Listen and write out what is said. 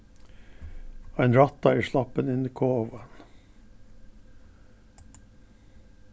ein rotta er sloppin inn í kovan